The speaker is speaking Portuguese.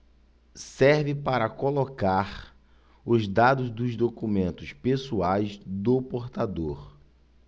serve para colocar os dados dos documentos pessoais do portador